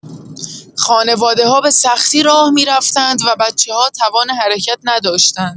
خانواده‌ها به‌سختی راه می‌رفتند و بچه‌ها توان حرکت نداشتند.